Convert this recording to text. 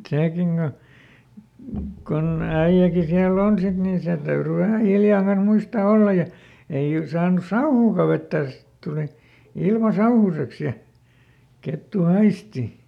sekin kun kun äijäkin siellä on sitten niin sen täytyi vähän hiljainen muistaa olla ja ei - saanut sauhuakaan vettä sitten tuli ilma sauhuiseksi ja kettu haistoi